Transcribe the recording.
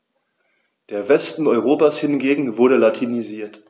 Der Westen Europas hingegen wurde latinisiert.